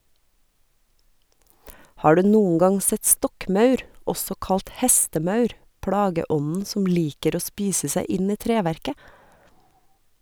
Har du noen gang sett stokkmaur, også kalt hestemaur, plageånden som liker å spise seg inn i treverket?